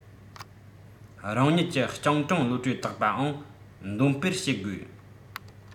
རང ཉིད ཀྱི སྤྱང གྲུང བློ གྲོས དག པའང འདོན སྤེལ བྱེད དགོས